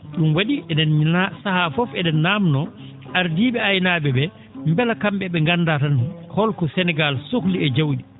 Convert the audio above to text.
?um wa?i enenna sahaa fof e?en naamnoo ardii?e aynaa?e ?ee mbela kam?e ?e nganndaa tan holko Sénégal sohli e jawdi